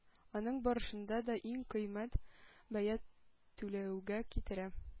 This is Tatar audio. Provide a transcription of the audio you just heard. Аның барышында да иң кыйммәт бәя түләүгә китерә.